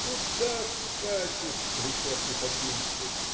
"Куда скачешь!" - кричат пехотинцы.